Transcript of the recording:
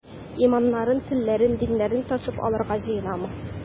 Иманнарын, телләрен, диннәрен тартып алырга җыенамы?